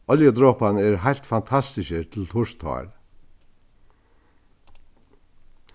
oljudroparnir eru heilt fantastiskir til turt hár